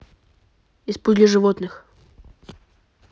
испуги животных